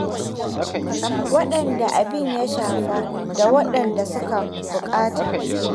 Waɗanda abin ya shafa da waɗanda suka kuɓuta